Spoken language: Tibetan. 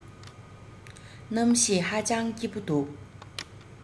གནམ གཤིས ཧ ཅང སྐྱིད པོ འདུག